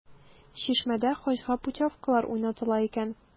“чишмә”дә хаҗга путевкалар уйнатыла икән.